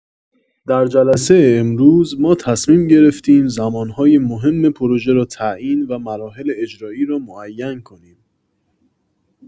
در جلسه امروز، ما تصمیم گرفتیم زمان‌های مهم پروژه را تعیین و مراحل اجرایی را معین کنیم.